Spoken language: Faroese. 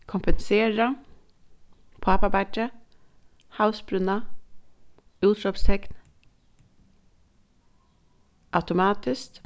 kompensera pápabeiggi havsbrúnna útrópstekn automatiskt